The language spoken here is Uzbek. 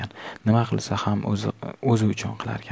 nima qilsa o'zi uchun qilarkan